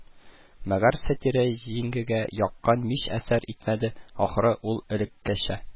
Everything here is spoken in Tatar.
Мәгәр Сатирә җиңгигә яккан мич әсәр итмәде, ахры, ул элеккечә: